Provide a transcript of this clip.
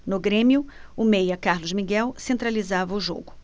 no grêmio o meia carlos miguel centralizava o jogo